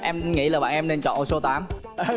em nghĩ là bạn em nên chọn ô số tám